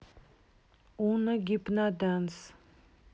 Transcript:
уно гипнодэнс